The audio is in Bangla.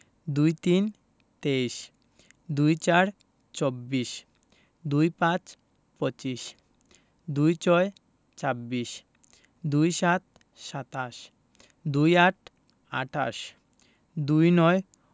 ২৩ – তেইশ ২৪ – চব্বিশ ২৫ – পঁচিশ ২৬ – ছাব্বিশ ২৭ – সাতাশ ২৮ - আটাশ ২৯